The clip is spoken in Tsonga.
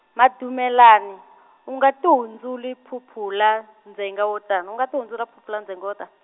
Madumelani , u nga tihundzuli phuphula, ndzinga wotan-, u nga ti hundzula phuphula ndzinga wo ta.